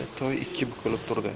toy ikki bukilib turdi